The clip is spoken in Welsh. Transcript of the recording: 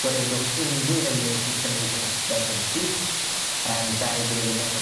Gwaredwch unryw ddeunydd sy'n cynnwys y malltod yn syth, yym, fel dyw e ddim yn ca'